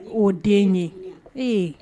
O den ye ee